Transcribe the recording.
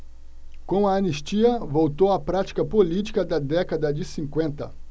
com a anistia voltou a prática política da década de cinquenta